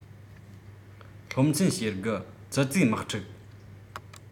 སློབ ཚན ཞེ དགུ ཙི ཙིའི དམག འཁྲུག